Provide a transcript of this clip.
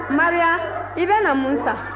maria i bɛna mun san